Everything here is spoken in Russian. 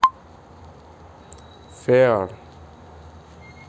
fear